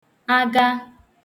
aga